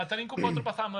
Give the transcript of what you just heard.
A dan ni'n gwybod rwbath am y